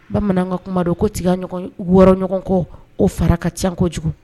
Bamanankan kuma don ko tigi ɲɔgɔn wɔɔrɔ ɲɔgɔn kɔ o fara ka cako kojugu